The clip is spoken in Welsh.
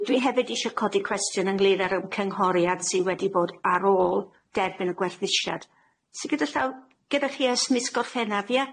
Dwi hefyd isio codi cwestiwn ynglŷn â'r ymgynghoriad sy' wedi bod ar ôl derbyn y gwerthusiad sy gyda llaw, gyda chi ers mis Gorffennaf ie?